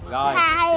rồi